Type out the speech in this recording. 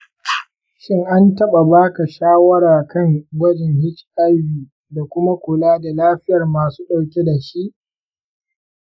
shin an taɓa ba ka shawara kan gwajin hiv da kuma kula da lafiyar masu dauke da shi?